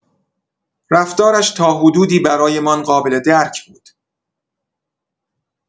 رفتارش تا حدودی برایمان قابل‌درک بود.